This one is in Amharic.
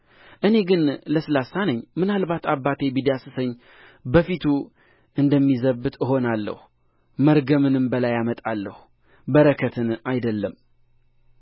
እኔ ግን ለስላሳ ነኝ ምናልባት አባቴ ቢዳስሰኝ በፊቱ እንደሚዘብት እሆናለሁ መርገምንም በላዬ አመጣለሁ በረከትን አይደለም